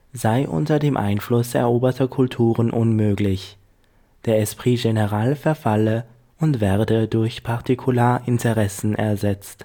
sei unter dem Einfluss eroberter Kulturen unmöglich, der esprit général verfalle und werde durch Partikularinteressen ersetzt